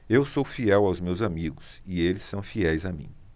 eu sou fiel aos meus amigos e eles são fiéis a mim